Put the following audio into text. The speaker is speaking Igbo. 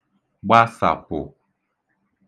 gbāsàpụ̀